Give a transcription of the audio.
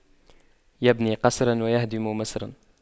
يبني قصراً ويهدم مصراً